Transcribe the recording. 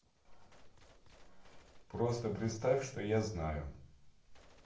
просто представь что я знаю